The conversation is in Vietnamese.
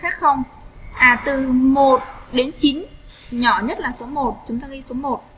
từ một đến chín nhỏ nhất là số